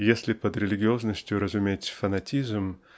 Если под религиозностью разуметь фанатизм